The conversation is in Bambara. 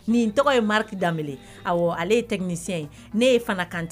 Nin tɔgɔ ye mariti danbele ye . Awɔ ale ye technicien ye. Ne ye Fana kante